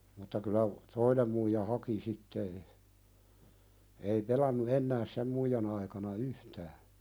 mutta kyllä toinen muija haki sitten - ei pelannut enää sen muijan aikana yhtään